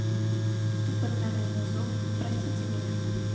кто под нами внизу вы простите меня